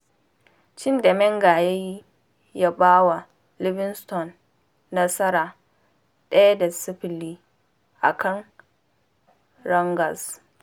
Cin da Menga ya yi ya ba wa Livingston nasara 1 da 0 a kan Rangers